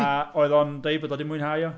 A oedd o'n dweud bod o wedi mwynhau o.